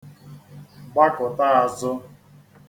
gbakụ̀ta āzụ̄